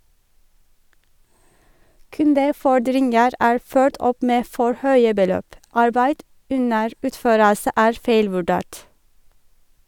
Kundefordringer er ført opp med for høye beløp, arbeid under utførelse er feilvurdert.